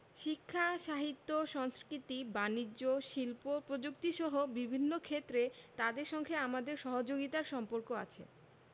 শিক্ষা সাহিত্য সংস্কৃতি বানিজ্য শিল্প প্রযুক্তিসহ বিভিন্ন ক্ষেত্রে তাদের সঙ্গে আমাদের সহযোগিতার সম্পর্ক আছে